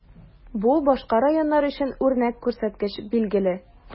Бу башка районнар өчен үрнәк күрсәткеч, билгеле.